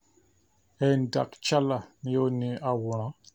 Endalk Chala ni ó ni àwòrán.